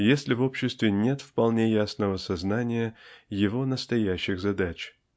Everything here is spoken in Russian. если в обществе нет вполне ясного сознания его настоящих задач.